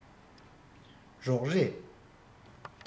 རོགས རེས